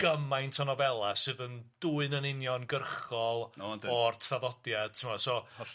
Gymaint o nofela sydd yn dwyn yn uniongyrchol... O yndyn. ...o'r traddodiad t'mo' so ... Hollol.